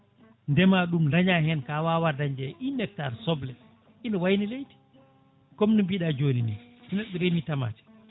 ndeema ɗum daña hen ka wawa dañde e une hectare soble ina wayno leydi comme no mbiɗa joni ni so neɗɗo remi tamate